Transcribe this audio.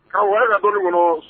Ka wɛrɛ la dɔɔnin kɔnɔ